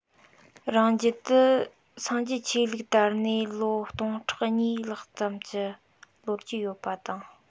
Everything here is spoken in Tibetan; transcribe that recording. རང རྒྱལ དུ སངས རྒྱས ཆོས ལུགས དར ནས ལོ སྟོང ཕྲག གཉིས ཙམ གྱི ལོ རྒྱུས ཡོད པ དང